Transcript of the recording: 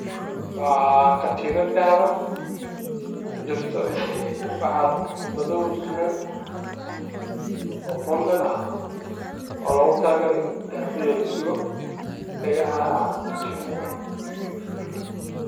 Waa boonbale midabkiisu waa madow dahab ayaa ku xiran